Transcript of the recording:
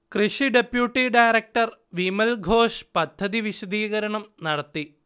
കൃഷി deputy director Vimalghosh പദ്ധതി വിശദീകരണം നടത്തി